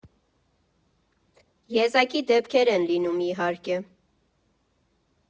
Եզակի դեպքեր են լինում, իհարկե…